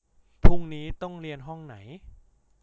พรุ่งนี้ต้องเรียนห้องไหน